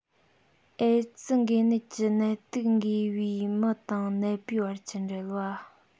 ཨེ ཙི འགོས ནད ཀྱི ནད དུག འགོས པའི མི དང ནད པའི བར གྱི འབྲེལ བ